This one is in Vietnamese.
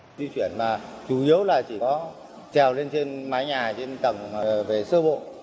di chuyển mà chủ yếu là chỉ có chèo lên trên mái nhà trên tầng về sơ bộ